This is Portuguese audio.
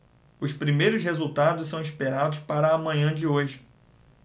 os primeiros resultados são esperados para a manhã de hoje